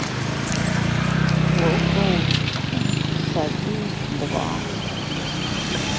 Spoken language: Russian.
плохо учишься садись два